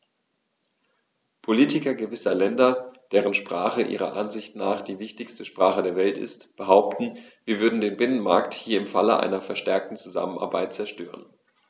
Politiker gewisser Länder, deren Sprache ihrer Ansicht nach die wichtigste Sprache der Welt ist, behaupten, wir würden den Binnenmarkt hier im Falle einer verstärkten Zusammenarbeit zerstören.